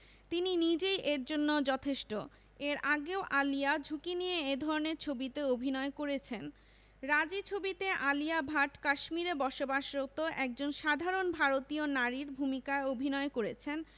তিনি নিজেই এর জন্য যথেষ্ট এর আগেও আলিয়া ঝুঁকি নিয়ে এ ধরনের ছবিতে অভিনয় করেছেন রাজী ছবিতে আলিয়া ভাট কাশ্মীরে বসবাসরত একজন সাধারন ভারতীয় নারীর ভূমিকায় অভিনয় করেছেন